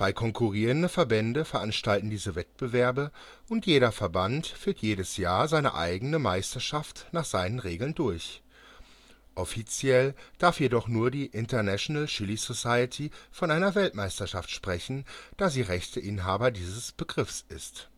konkurrierende Verbände veranstalten diese Wettbewerbe, und jeder Verband führt jedes Jahr seine eigene Meisterschaft nach seinen Regeln durch. Offiziell darf jedoch nur die International Chili Society von einer Weltmeisterschaft sprechen, da sie Rechteinhaber dieses Begriffs ist